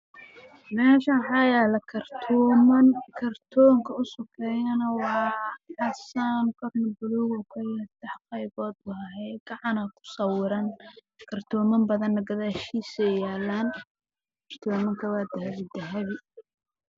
Waa kartoon waxaa ku jira saliid midabkooda yahay cadaanka